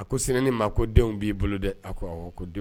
A ko sinɛnin ma ko denw b'i bolo dɛ a ko awɔ ko denw